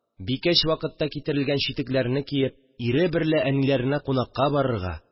Бикәч вакытта китерелгән читекләрне киеп, ире берлә әниләренә кунакка барырга